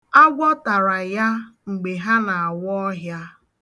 Agwọ tara ya mgbe ha na-awa ọhịa.